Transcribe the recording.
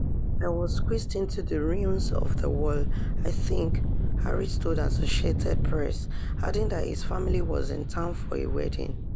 I was squeezed into the ruins of the wall, I think," Haris told Associated Press, adding that his family was in town for a wedding.